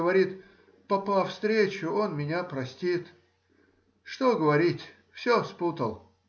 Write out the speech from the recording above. говорит: Попа встречу — он меня простит. Что говорить?. все спутал.